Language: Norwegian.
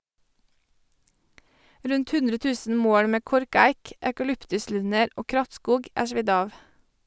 Rundt 100.000 mål med korkeik, eukalyptuslunder og krattskog er svidd av.